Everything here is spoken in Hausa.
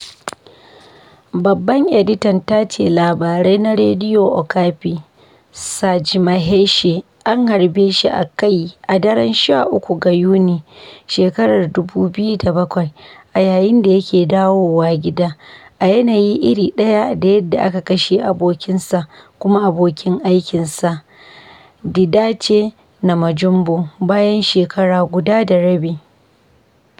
Babban editan tace labarai na Radio Okapi, Serge Maheshe, an harbe shi a kai a daren 13 ga Yuni shekarar 2007, a yayin da yake dawowa gida, a yanayi iri ɗaya da yadda aka kashe abokinsa kuma abokin aikinsa, Didace Namujimbo, bayan shekara guda da rabi.